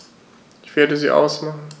Ich werde sie ausmachen.